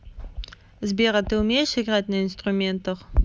сбер а ты умеешь играть на инструментах